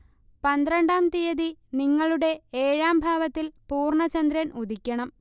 പന്ത്രണ്ടാം തീയതി നിങ്ങളുടെ ഏഴാം ഭാവത്തിൽ പൂർണ ചന്ദ്രൻ ഉദിക്കണം